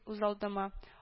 Үзалдыма